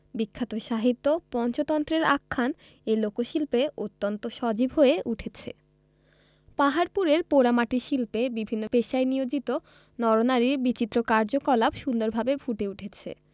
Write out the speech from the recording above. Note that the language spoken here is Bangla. বিখ্যাত সাহিত্য পঞ্চতন্ত্রের আখ্যান এই লোকশিল্পে অত্যন্ত সজীব হয়ে উঠেছে পাহাড়পুরের পোড়ামাটির শিল্পে বিভিন্ন পেশায় নিয়োজিত নর নারীর বিচিত্র কার্যকলাপ সুন্দরভাবে ফুটে উঠেছে